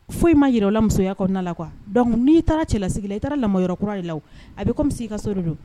Foyi i ma jirala musoya kɔnɔna na la qu dɔnkuc n'i taara cɛlasigi la i taara la kura ye la a bɛ komi bɛ i ka so don